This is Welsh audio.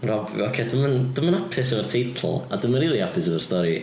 Rob- ocê dwi'm dwi'm yn hapus efo'r teitl, a dwi'm yn rili hapus efo'r stori.